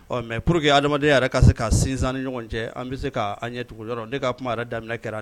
Mɛ pur que hadama yɛrɛ ka se ka sinsan ni ɲɔgɔn cɛ an bɛ se k'an ɲɛ tugu yɔrɔ ne k ka kuma yɛrɛ daminɛ kɛ